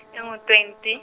engu- twenty.